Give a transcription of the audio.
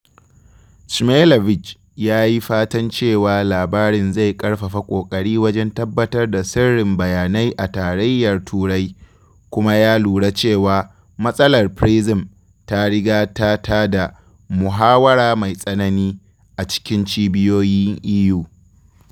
Szymielewicz ya yi fatan cewa labarin zai ƙarfafa ƙoƙari wajen tabbatar da sirrin bayanai a Tarayyar Turai, kuma ya lura cewa “matsalar PRISM” ta riga ta tada “muhawara mai tsanani” a cikin cibiyoyin EU.